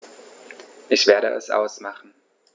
Ich werde es ausmachen